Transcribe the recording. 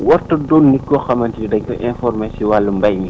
warut a doon mukk koo xamante ne dañ koy informé si wàllu mbay mi